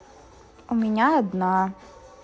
у меня одна